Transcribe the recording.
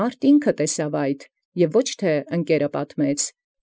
Ուրուք ինքնատես եղեալ, և ոչ առ յընկերէ պատմեալ։